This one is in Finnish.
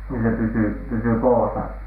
ja se pysyy pysyy koossa